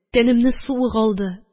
Тәнемне суык алды